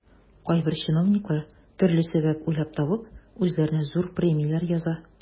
Кайбер чиновниклар, төрле сәбәп уйлап табып, үзләренә зур премияләр яза.